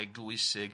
eglwysig.